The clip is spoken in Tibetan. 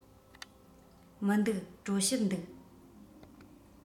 མི འདུག གྲོ ཞིབ འདུག